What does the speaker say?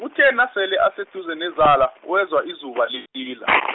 kuthe nasele aseduze nezala, wezwa izuba lilila .